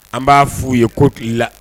An b'a f' u ye ko i la